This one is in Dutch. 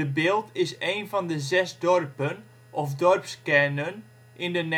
Bilt is een van de zes dorpen, of dorpskernen, in de